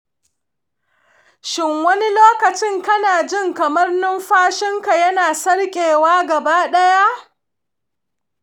shin wani lokacin kana jin kamar numfashinka yana sarƙewa gaba ɗaya?